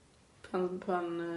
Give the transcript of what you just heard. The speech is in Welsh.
Pan pan yy.